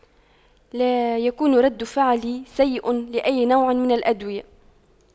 لا يكون رد فعلي سيء لأي نوع من الأدوية